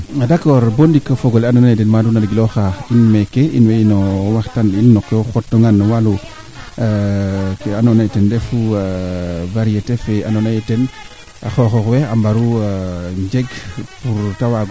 ki koy kaa andiim est ce que Jokalante xana jeg solution tiya ga ndax nam parce :far que aussi tiga wareena o lamito aussi